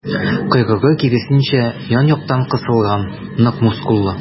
Койрыгы, киресенчә, ян-яктан кысылган, нык мускуллы.